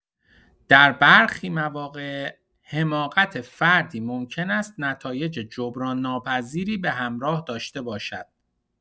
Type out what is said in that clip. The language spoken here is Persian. در برخی مواقع، حماقت فردی ممکن است نتایج جبران‌ناپذیری به همراه داشته باشد.